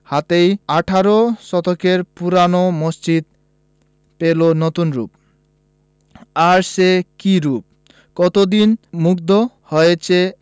হাতেই আঠারো শতকের পুরোনো মসজিদ পেলো নতুন রুপ আর সে কি রুপ কতদিন মুগ্ধ হয়ে চেয়ে